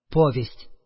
Повесть